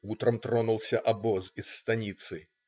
Утром тронулся обоз из станицы.